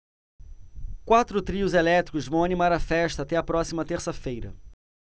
quatro trios elétricos vão animar a festa até a próxima terça-feira